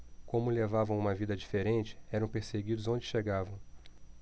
como levavam uma vida diferente eram perseguidos onde chegavam